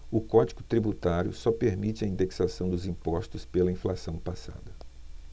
o código tributário só permite a indexação dos impostos pela inflação passada